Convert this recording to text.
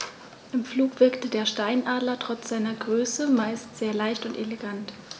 Im Flug wirkt der Steinadler trotz seiner Größe meist sehr leicht und elegant.